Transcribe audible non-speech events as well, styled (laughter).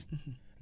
(hesitation) (hesitation)